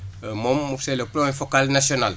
moom c' est le point focal national